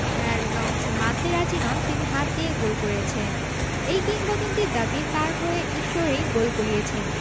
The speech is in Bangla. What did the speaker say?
ম্যারাডোনা অবশ্য মানতে রাজি নন তিনি হাত দিয়ে গোল করেছেন এই কিংবদন্তির দাবি তাঁর হয়ে ঈশ্বরই গোল করিয়েছেন